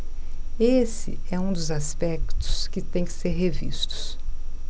esse é um dos aspectos que têm que ser revistos